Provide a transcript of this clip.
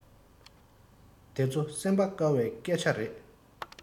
དེ ཚོ སེམས པ དཀར བའི སྐད ཆ རེད